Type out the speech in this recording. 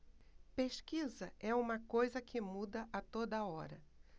pesquisa é uma coisa que muda a toda hora